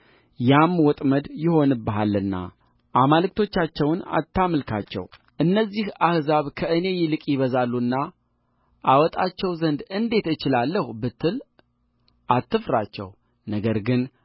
ያም ወጥመድ ይሆንብሃልና አማልክቶቻቸውን አታምልካቸውበልብህም እነዚህ አሕዛብ ከእኔ ይልቅ ይበዛሉና አወጣቸው ዘንድ እንዴት እችላለሁ ብትል አትፍራቸውነገር ግን